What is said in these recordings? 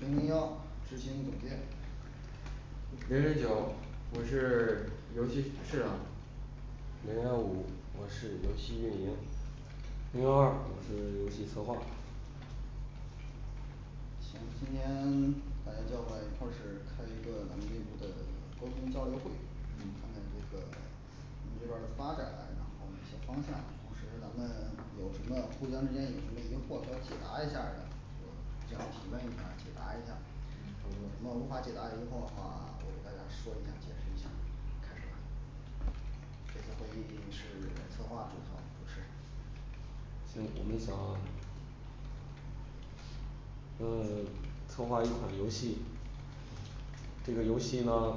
零零幺执行总监零零九我是 游戏市场零幺五我是游戏运营零幺二我是游戏策划行，今天 把大家叫过来，一块儿是开一个咱们内部的沟通交流会&嗯&，谈点儿这个 咱们这边儿的发展，然后一些方向，同时咱们有什么互相之间有什么疑惑需要解答一下儿的？互相提问一下儿解答一下嗯。有好的什么无法解答疑惑的话，我给大家说一下解释一下。开始吧这次会议是策划做好主持行，我们想 嗯 策划一款游戏这个游戏呢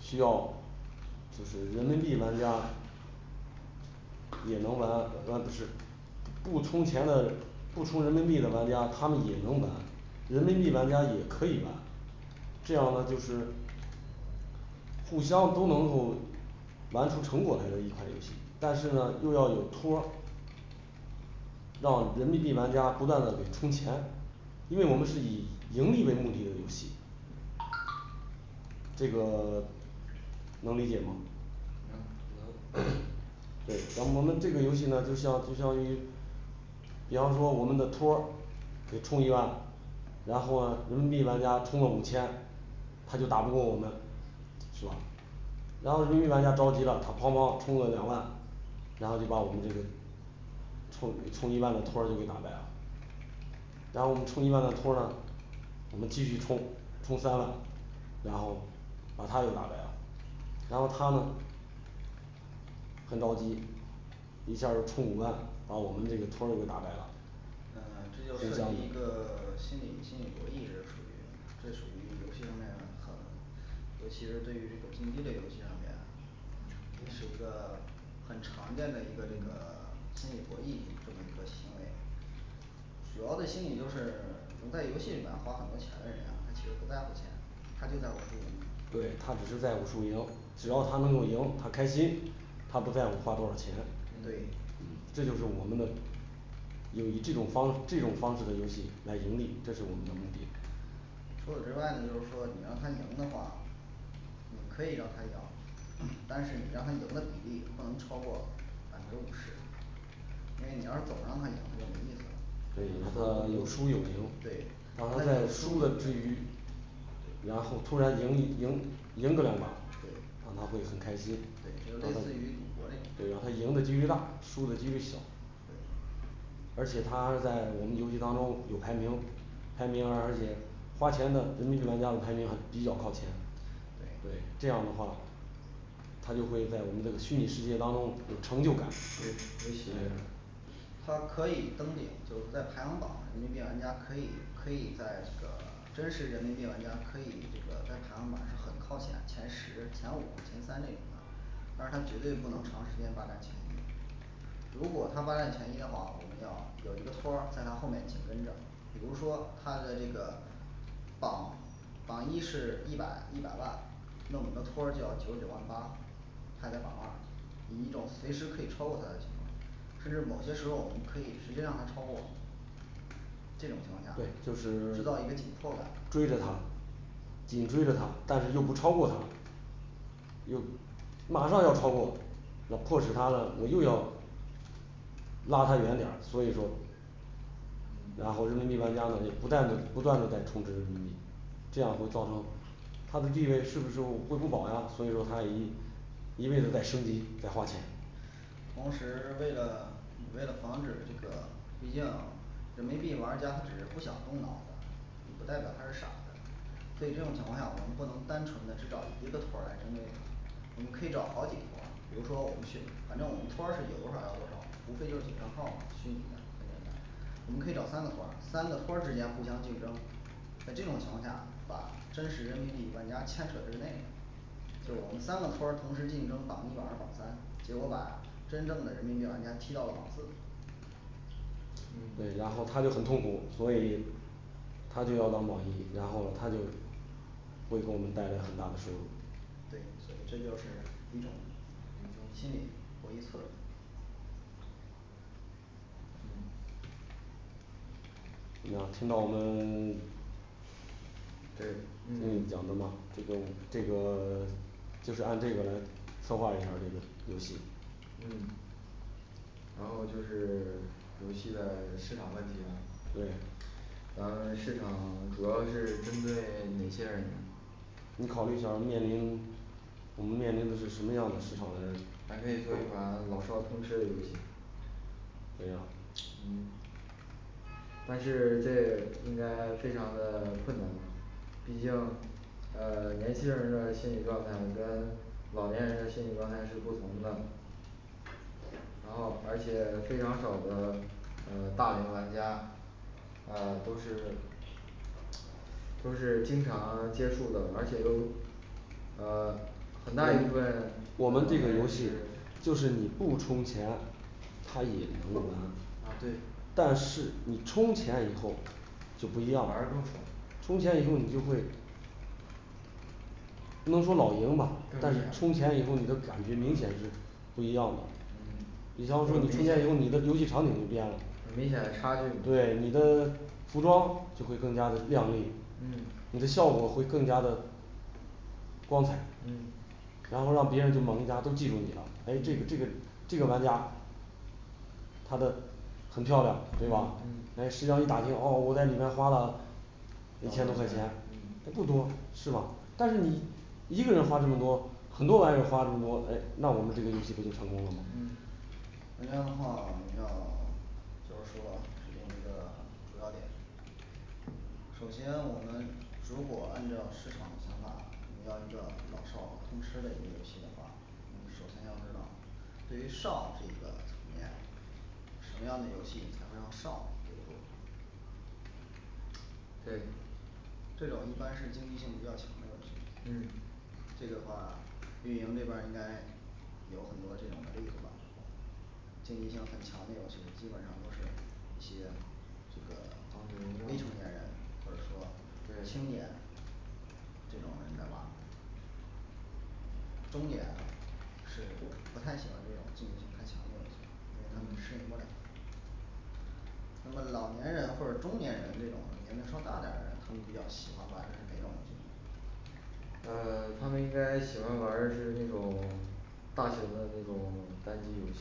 需要就是人民币玩家也能玩让的是，不充钱的不充人民币的玩家他们也能玩人民币玩家也可以玩。这样的话就是互相都能够拿出成果来的一款游戏，但是呢又要有托儿让人民币玩家不断的给充钱，因为我们是以盈利为目的的游戏，这个 能理解吗？能能 对咱们咱们这个游戏呢就像就像于比方说我们的托儿给冲压，然后人民币玩家充了五千，他就打不过我们，是吧？然后人民币玩家着急了，他啪啪充了两万然后就把我们这个充充一万的托儿就给打败了然后我们充一万的托儿呢，我们继续充充三万。然后把他都打败了。然后他呢很着急，一下儿就充五万把我们这个托儿给打败了。嗯 这就涉及一个心理心理博弈这个属于，这属于游戏方面可能，尤其是对于竞技类游戏上面，这是一个 很常见的一个这个心理博弈这么一个行为。主要的心理就是 能在游戏里面儿花很多钱的人啊，他其实不在乎钱，他就在乎输赢对，他只是在乎输赢，只要他能够赢他开心，他不在乎花多少钱。嗯对这就是我们的用以这种方这种方式的游戏来盈利，这是我们的目的。除此之外呢就是说你让他赢的话，你可以让他赢，& &但是你让他赢的比例不能超过百分之五十，因为你要是总让他赢他就没意思了对，让他有输有赢对，让他在输的之余，然后突然赢一，赢赢个两把对，让他会很开心对类似于国，对让内他赢的几率大，输的几率小。而且他还在我们游戏当中有排名，排名而且花钱的人民币玩家的排名还比较靠前。&对&对这样的话他就会在我们这个虚拟世界当中有成就感。对他可以登顶就是在排行榜人民币玩家可以可以在这个真实人民币玩家可以这个在排行榜是很靠前前十前五前三那种的，但是他绝对不能长时间把他前移如果他霸占前一的话，我们要有一个托儿在他后面紧跟着，比如说他的这个榜榜一是一百一百万，那我们的托儿就要九十九万八排在榜二以一种随时可以超过他的情况，甚至某些时候我们可以直接让他超过这种情况下对就是制造一个紧迫感，追着他，紧追着他，但是又不超过他，又马上要超过要迫使他呢，我又要落他远点儿，所以说嗯然后人民币玩家们也不断的不断的在充值人民币，这样会造成他的地位是不是会不保呀，所以说他一一味的在升级在花钱。同时为了你为了防止这个毕竟人民币玩儿家他只是不想动脑子，也不代表他是傻子。所以这种情况下，我们不能单纯的制造一个托儿来针对他，我们可以找好几个托儿，比如说我们去反正我们托儿是有多少要多少，无非就是几个号嘛，虚拟的很简单，我们可以找三个托儿三个托儿之间互相竞争，在这种情况下把真实人民币玩家牵扯之内了，就是我们三个托儿同时竞争榜一榜二榜三，结果把真正的人民币玩家踢到榜四嗯对，然后他就很痛苦，所以他就要当榜一，然后他就会给我们带来很大的收入对，所以这就是一种我们就心里过于侧重。嗯那听到我们 讲的嘛这个这个 就是按这个来策划一下儿这个游戏，嗯然后就是游戏的市场问题了对，咱们市场主要是针对哪些人？你考虑一下儿面临我们面临的是什么样的市场呢，咱可以做一款老少通吃的游戏，对呀嗯但是这应该非常的困难毕竟呃年轻人的心理状态跟老年人的心理状态是不同的，然后而且非常少的呃大龄玩家呃都是都是经常接触的而且又呃很大一部分我们我们其这个游戏实，就是你不充钱，他也能玩啊对，但是你充钱以后就不一玩样儿的更爽，充钱以后你就会不能说老赢吧，但你对充钱以后你的感觉明显是不一样的嗯，比方说你充钱以后你的游戏场景就变了明显的差距，对你的服装就会更加的靓丽嗯，你的效果会更加的光彩嗯，然后让别人就猛一下都记住你了，哎这个这个这个玩家他的很漂亮对嗯吧嗯？哎实际上一打听哦我在里面花了一千多块钱嗯它不多是吧？但是你一个人花这么多，很多玩家花这么多哎那我们这个游戏不就成功了吗？嗯那这样的话你要就是说这么一个主要点。首先我们如果按照市场的想法，要一个老少通吃的一个游戏的话，那么首先要知道对于少这个层面，什么样的游戏才会让少留住对这种一般是竞技性比较强的游戏嗯。这个的话运营这边儿应该有很多这种的例子吧经济性很强的游戏基本上都是一些这个&王者荣耀&未成年人&对&或者说青年，这种人在玩儿中年的是不太喜欢这种竞争性太强的东西，因为他们适应不了那么老年人或者中年人这种年龄稍大点儿的人，他们比较喜欢玩儿的是哪种游戏呃他们应该喜欢玩儿的是那种 大型的那种单机游戏，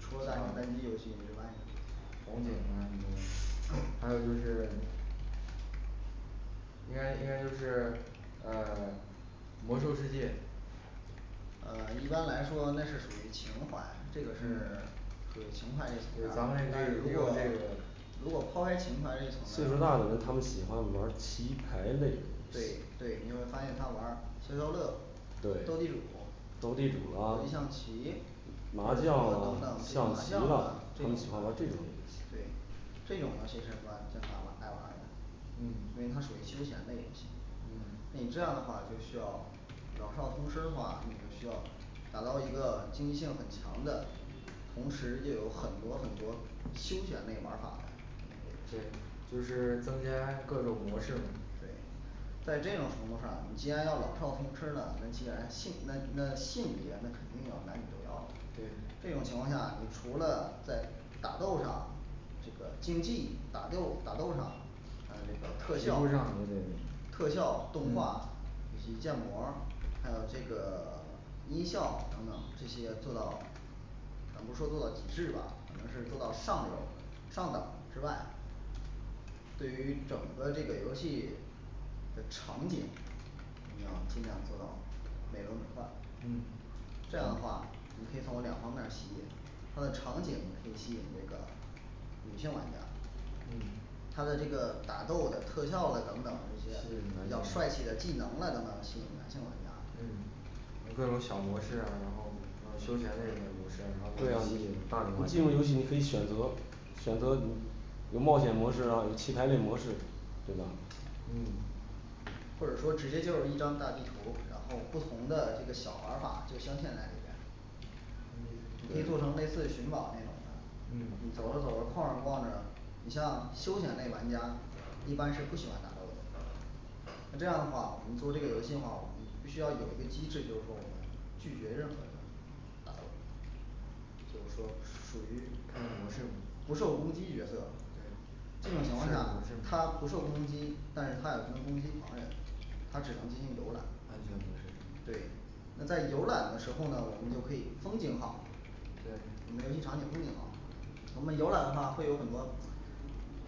除了大型单机游戏之外呢红警啊什么的还有就是应该应该就是呃魔兽世界呃一般来说那是属于情怀，这个是嗯属于情怀类咱们的也可但以是如利用果这个如果抛开情怀这岁层数面，大的人他们喜欢玩儿棋牌类的，对，对你会发现他玩儿消消乐，对斗地主，斗地主啦、麻国将啊际象象棋棋等等这个麻呀将啊，他们喜欢玩儿这种游戏对这种游戏是他们爱玩儿的嗯，所以它属于休闲类游戏嗯你这样的话就需要老少通吃的话你就需要打造一个竞技性很强的，同时又有很多很多休闲类玩儿法的。对，就是增加各种模式嘛。对在这种程度上你既然要老少通吃呢那既然性那那性别那肯定要男女都要对，这种情况下，你除了在打斗上，这个竞技打斗、打斗上，还有这个皮肤特效上特效动画以及建模儿，还有这个 音效等等这些做到咱不说做到极致吧可能是做到上游上等之外对于整个这个游戏的场景，你要尽量做到美轮美奂嗯这样的话，你可以从两方面儿吸引它的场景可以吸引这个女性玩家嗯他的这个打斗的特效的等等吸这些比引较男帅性气的技能了等等，吸引男性玩家嗯各种小模式啊，然后还有休闲类的模式，对然啊后一你系列大的你进入游戏你可以选择选择有冒险模式啊，有棋牌类模式，对吧？嗯或者说直接就一张大地图，然后不同的这个小玩儿法就镶嵌在里面你可以做成类似寻宝那种的。嗯你走着走着逛着逛着，你像休闲类玩家，一般是不喜欢打斗的，那这样的话我们做这个游戏的话，我们必须要有一个机制，就是说我们拒绝任何人打斗就是说属于不受不受攻击角色对这种情况下他不受攻击，但是他也不能攻击旁人他只能进行游览安全，安全模式对。那在游览的时候呢我们就可以风景好，这没有异常就风景好。我们游览的话会有很多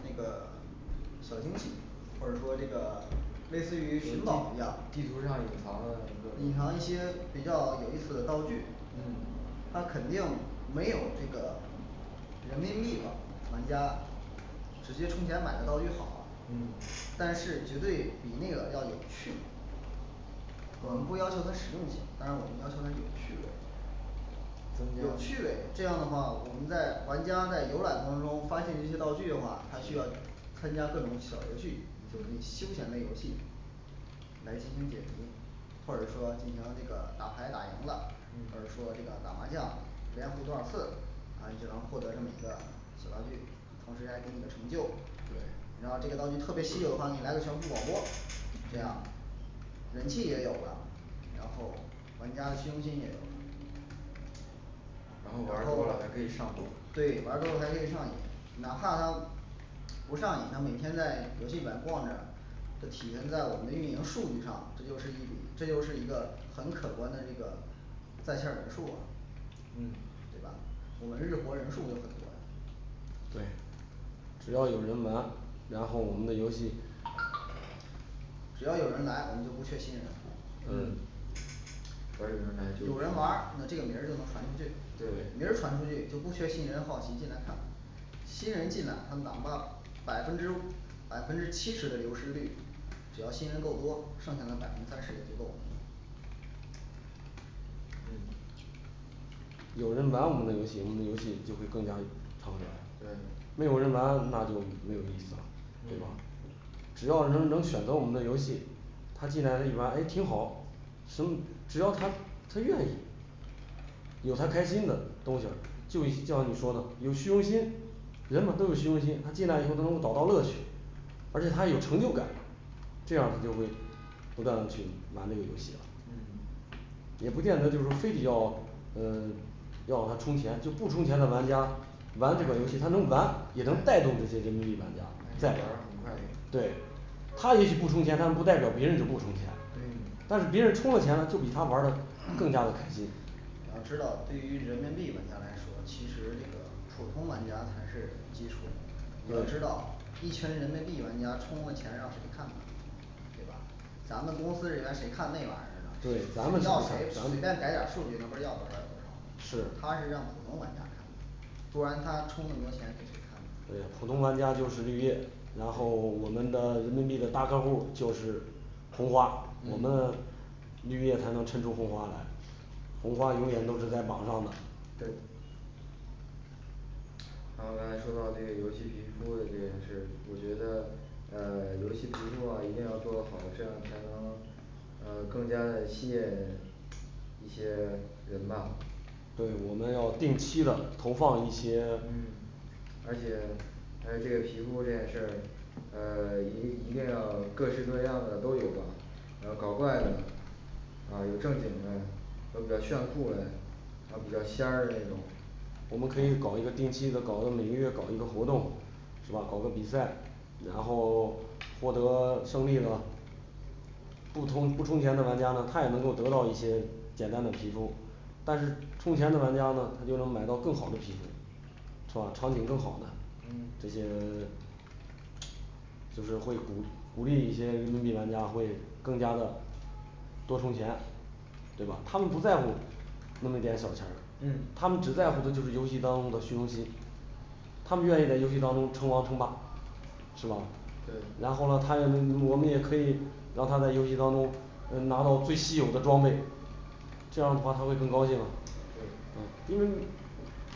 那个 小惊喜，或者说这个类似于寻宝一样地图上隐藏的各隐种藏一信息些比较有意思的道具嗯，他肯定没有这个 人民币玩玩家直接充钱买的道具好嗯，但是绝对比那个要有趣。我们不要求他实用性，但是我们要求他有趣味，有趣味，这样的话我们在玩家在游览过程中发现这些道具的话，他需要参加各种小游戏，就是休闲的游戏来进行解读，或者说进行这个打牌打赢了，或者嗯说这个打麻将连胡多少次，啊你就能获得这么一个小道具，同时还给你个成就对，然后这个道具特别稀有的话，你来个全部广播。这样人气也有了，然后玩家的虚荣心也有了，然后玩儿多了还可以上瘾，对，玩儿多了还可以上瘾。哪怕他不上瘾，那每天在游戏里边逛着这体现在我们的运营数据上，这就是一笔这就是一个很可观的那个在线儿人数啊，嗯对吧？我们日活人数有很多。对。只要有人玩，然后我们的游戏只要有人来，我们就不缺新人嗯嗯主要有人来有人玩儿那这个名儿就能传出去，名儿传出去就不缺新人好奇进来看新人进来他们哪怕百分之百分之七十的流失率，只要新人够多，剩下那百分之三十足够，嗯有人玩我们的游戏，我们的游戏就会更加长远对，没有人玩儿那就没有意思了，对吧？嗯只要能能选择我们的游戏，他进来了一玩哎挺好所以，只要他他愿意有他开心的东西儿，就像你说的有虚荣心，人们都有虚荣心，他进来以后能够找到乐趣，而且他有成就感，这样子就会不断的去玩这个游戏了，嗯也不见得就是说非得要嗯要他充钱就不充钱的玩家玩这个游戏，他能玩也能带动这些人民币玩家在玩儿很快对他也许不充钱，但不代表别人就不充钱，对但是别人充了钱了就比他玩儿的更加的开心。呃知道对于人民币玩家来说，其实这个普通玩家才是基础。 我知道一群人民币玩家充着钱让谁看呢？对吧？咱们公司人员谁看那玩意儿呢对咱们，是要谁随便改点儿数据，那不是要多少有多少吗，他是让普通玩家看的不然他充那么多钱给谁看，对普通玩家就是绿叶，然后我们的人民币的大客户就是红花，我们嗯的绿叶才能衬出红花来。红花永远都是在榜上的。对还有刚才说到这个游戏皮肤的这件事，我觉得呃游戏皮肤的话一定要做好，这样才能呃更加的吸引 一些 人吧。对我们要定期的投放一些 嗯而且还有这个皮肤这件事儿，呃一一定要各式各样的都有吧，还有搞怪的呃有正经的，有比较炫酷的，还有比较仙儿的那种我们可以搞一个定期的搞一个每个月搞一个活动是吧？搞个比赛，然后 获得 胜利了不充不充钱的玩家呢他也能够得到一些简单的皮肤，但是充钱的玩家呢他就能买到更好的皮肤，是吧？场景更好的嗯这些 就是会鼓鼓励一些人民币玩家会更加的多充钱，对吧？他们不在乎那么点儿小钱儿嗯，他们只在乎的就是游戏当中的虚荣心，他们愿意在游戏当中称王称霸，是吧？对然后呢他呢我们也可以让他在游戏当中嗯拿到最稀有的装备，这样的话他会更高兴嘛对。嗯因为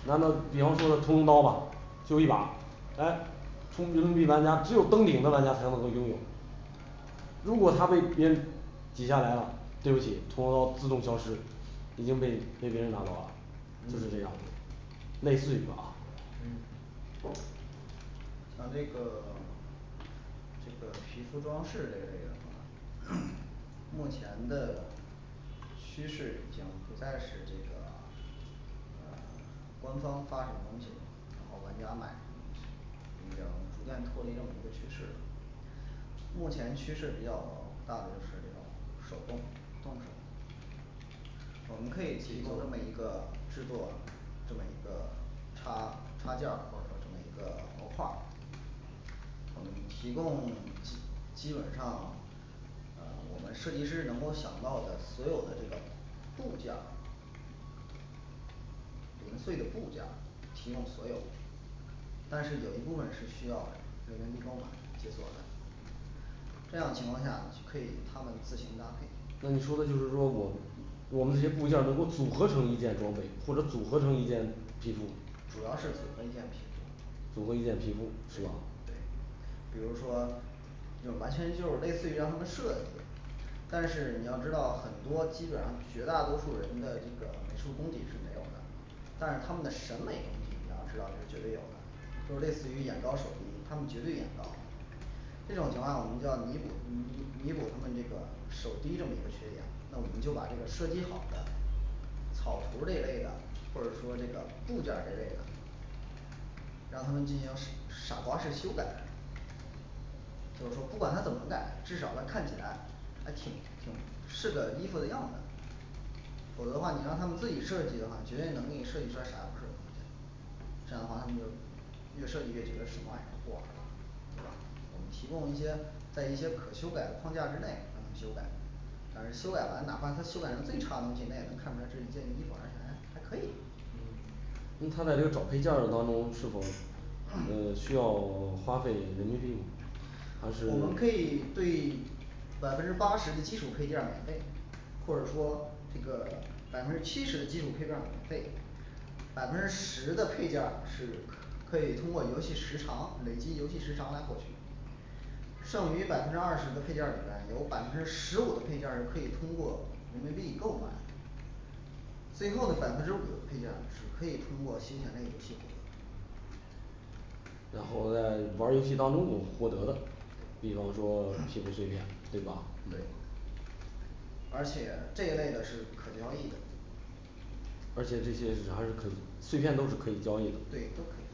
难道比方说充一包吧就一把哎充人民币玩家只有登顶的玩家才能够拥有？如果他被别人挤下来了，对不起托儿自动消失，已经被被别人拿走了，&嗯&就是这样子。类似于吧啊嗯像这个 这个皮肤装饰这类的话， 目前的趋势已经不再是这个 呃官方发什么东西，然后玩家买什么，已经逐渐脱离这么一个趋势了。目前趋势比较大的就是这种手动动手我们可以提供这么一个制作，这么一个插插件儿或者说这么一个模块儿，我们提供 基基本上 嗯我们设计师能够想到的所有的这个部件儿零碎的部件儿提供所有，但是有一部分是需要那个地方版解锁的，这样情况下可以他们自行搭配，你说的就是说我我们这些部件儿能够组合成一件装备，或者组合成一件皮肤，主要是组合一件皮肤。组合一件皮肤是吧？对对。比如说就完全就类似于让他们设计，但是你要知道很多基本上绝大多数人的这个美术功底是没有的，但他们的审美功底你要知道是绝对有的就类似于眼高手低，他们绝对眼高，这种情况下我们就要弥补弥补他们这个手低这么一个缺点，那我们就把这个设计好的草图儿这一类的或者说这个部件儿之类的，让他们进行是 傻瓜式修改。就是说不管他怎么改，至少他看起来还挺挺是个衣服的样子，否则的话你让他们自己设计的话，绝对能给你设计出来啥也不是。这样的话他们就越设计越觉得是方案要过来了，我们提供一些在一些可修改的框架之内才能修改。反正修改完哪怕他修改成最差的东西，那也能看出来这一件衣服，而且还还可以嗯因为他在这个找配件儿的当中是否& &呃需要花费人民币吗还是我们可以对百分之八十的基础配件儿免费，或者说这个百分之七十的基础配件儿免费百分之十的配件儿是可以通过游戏时长累计游戏时长来获取，剩余百分之二十的配件儿里面有百分之十五的配件儿是可以通过人民币购买，最后的百分之五的配件儿是可以通过游戏，然后在玩儿游戏当中我获得的比方说皮肤碎片儿对吧？对。而且这一类的是可交易的，而且这些是还是可以碎片都是可以交易的，对都可以。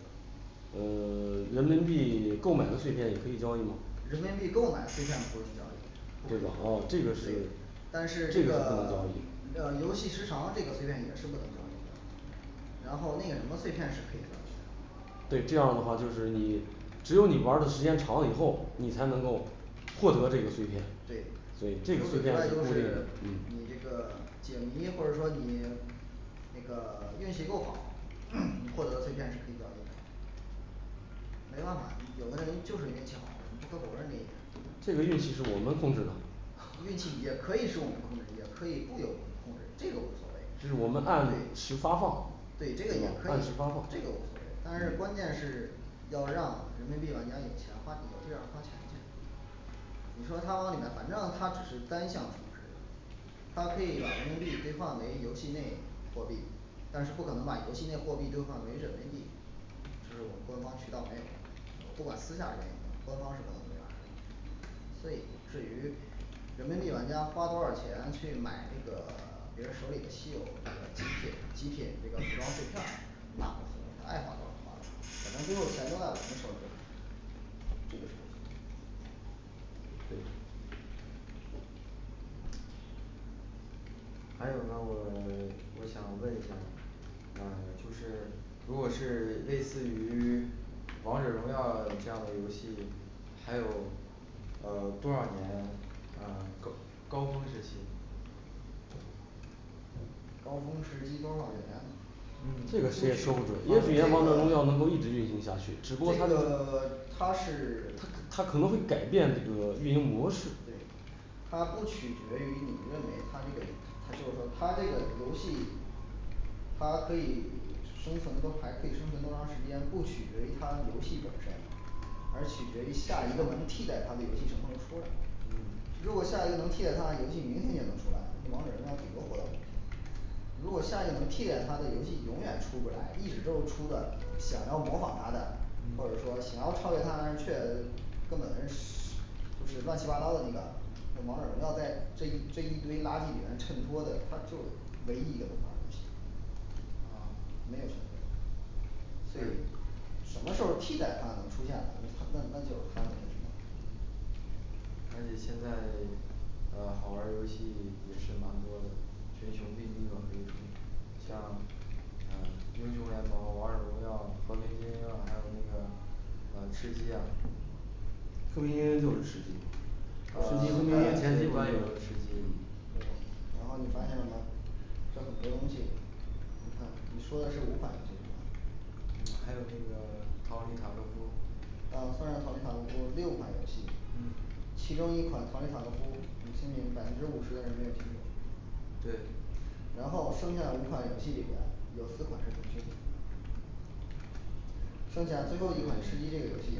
呃 人民币购买的碎片也可以交易吗，人民币购买碎片不用交易，这个哦这个是但是这这个不能交个易 嗯游戏时长这个碎片也是不能交易的，然后那个什么碎片是可以的。对，这样的话就是你只有你玩儿的时间长了以后，你才能够获得这个碎片对，，所所以以他这个碎片就是是嗯你这个锦鲤或者说你那个 运气够好， 你获得碎片是可以交易的。没办法，有的人就是运气好，我们不可否认这一点这个运气是我们控错制的，运气也可以是我们控制也可以不由控制这个无所谓，这是我们按时发放，对这个也可以，按时这发个无放，所谓，但是关键嗯是要让人民币玩家有钱花有地方儿花钱去你说他往里面反正他只是单向充值，他可以把人民币兑换为游戏内货币，但是不可能把游戏内货币兑换为人民币。这是我们官方渠道没有，我不管私下里有没有官方是没有这样儿的，所以至于人民币玩家花多少钱去买这个 别人手里的稀有这个极品极品这个服装碎片儿，他们爱花多少花多少反正最后钱都在我们手里边儿这个是可行的。对还有呢我 我想问一下，啊就是如果是类似于王者荣耀这样的游戏，还有呃多少年啊高高峰时期。高峰时期多少年嗯这个谁也说不准，也许人家要能够一直运行下去，只不过他的 他他是他可能会改变这个运营模式，对它不取决于你认为他这个他就是说他这个游戏它可以生存都还可以生存多长时间，不取决于它游戏本身，而取决于下一个能替代它的游戏什么时候出来。嗯如果下一个能替代它游戏，明天就能出来，王者荣耀顶多火两年。如果下一个能替代它的游戏永远出不来，一直都是出的想要模仿它的，或者说嗯想要超越它那儿却，根本是就是乱七八糟的这个。王者荣耀在这这一堆垃圾里面衬托的，它就是唯一一个游戏没有什么。所以什么时候替代它的出现了他那那就他来说而且现在这呃好玩儿游戏也是蛮多的，全球便利化为主。像嗯英雄联盟王者荣耀和平精英还有那个呃吃鸡呀和平精英就是吃鸡嘛吃鸡这个然后你发现了吗？这儿有很多东西，你看你说的是五款，这个还有这个逃离塔科夫哦算上逃离塔科夫六款游戏嗯，其中一款逃离塔科夫你信不信百分之五十的人没有听过对。然后剩下五款游戏里面儿有四款是腾讯的，剩下最后一款吃鸡这个游戏，